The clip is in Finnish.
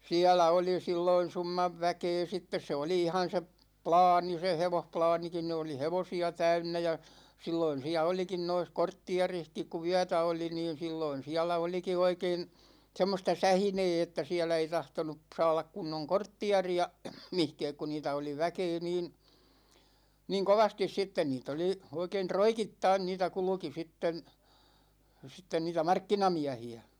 siellä oli silloin summan väkeä sitten se oli ihan se - plaani se hevosplaanikin niin oli hevosia täynnä ja silloin siellä olikin noissa kortteerissakin kun yötä oli niin silloin siellä olikin oikein semmoista sähinää että siellä ei tahtonut saada kunnon kortteeria mihinkään kun niitä oli väkeä niin niin kovasti sitten niitä oli oikein roikittain niitä kulki sitten sitten niitä markkinamiehiä